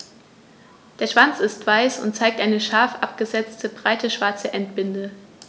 Der Schwanz ist weiß und zeigt eine scharf abgesetzte, breite schwarze Endbinde.